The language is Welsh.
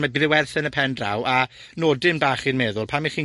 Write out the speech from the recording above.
ma'... bydd e werth e yn y pen draw, a nodyn bach i'n meddwl pan 'ych chi'n